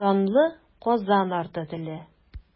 Данлы Казан арты теле.